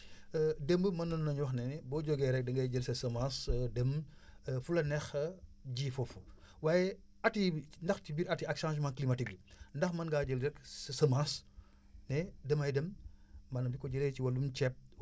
démb mënoon nañu wax ne boo jógee rek da ngay jël sa semence dem fu la neex nga ji foofu waaye at yii ndax ci biir at yi ak changement climatique bi ndax mën ngaa jël rek sa semence ne damay dem maanaam bu ko jëlee si wàllum ceeb